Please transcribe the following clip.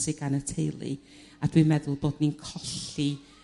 sy gan y teulu a dwi'n meddwl bod ni'n collli